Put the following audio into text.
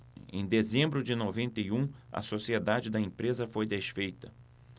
em dezembro de noventa e um a sociedade da empresa foi desfeita